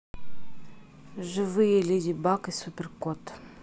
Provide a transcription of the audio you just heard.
живые леди баг и супер кот